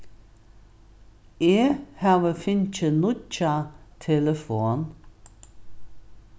eg havi fingið nýggja telefon